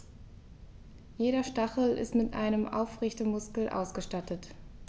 Jeder Stachel ist mit einem Aufrichtemuskel ausgestattet.